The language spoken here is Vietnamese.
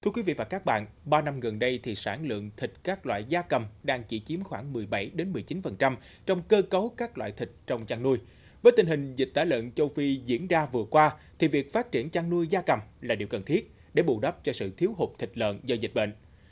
thưa quý vị và các bạn ba năm gần đây thì sản lượng thịt các loại gia cầm đang chỉ chiếm khoảng mười bảy đến mười chín phần trăm trong cơ cấu các loại thịt trong chăn nuôi với tình hình dịch tả lợn châu phi diễn ra vừa qua thì việc phát triển chăn nuôi gia cầm là điều cần thiết để bù đắp cho sự thiếu hụt thịt lợn do dịch bệnh